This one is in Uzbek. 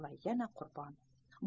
va yana qurbon